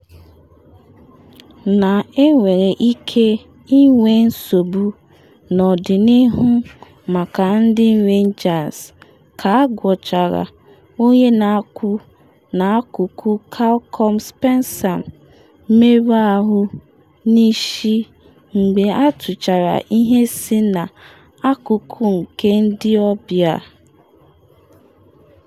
Na enwere ike inwe nsogbu n’ọdịnihu maka ndị Rangers ka agwọchara onye na-akwụ n’akụkụ Calum Spencem merụ ahụ n’isi, mgbe atụchara ihe si n’akụkụ nke ndị ọbịa.